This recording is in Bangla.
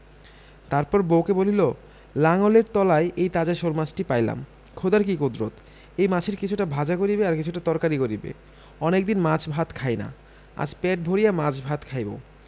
তারপর বউকে বলিল লাঙলের তলায় এই তাজা শোলমাছটি পাইলাম খোদার কি কুদরত এই মাছের কিছুটা ভাজা করিবে আর কিছুটা তরকারি করিবে অনেকদিন মাছ ভাত খাই না আজ পেট ভরিয়া মাছ ভাত খাইব